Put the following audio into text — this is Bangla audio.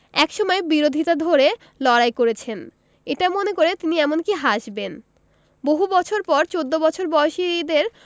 একসময় বিরোধিতা করে লড়াই করেছেন এটা মনে করে তিনি এমনকি হাসবেন বহু বছর পর চৌদ্দ বছর বয়সীদের